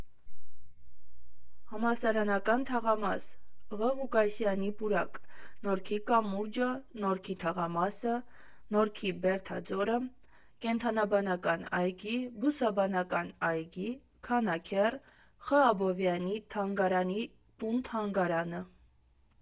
Համալսարանական թաղամաս ֊ Ղ. Ղուկասյանի պուրակ ֊ Նորքի կամուրջը ֊ Նորքի թաղամասը ֊ Նորքի բերդաձորը ֊ Կենդանաբանական այգի ֊ Բուսաբանական այգի ֊ Քանաքեռ ֊ Խ. Աբովյանի թանգարանի տուն֊թանգարանը։